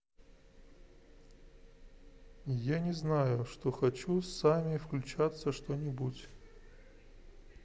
я не знаю что хочу сами включаться что нибудь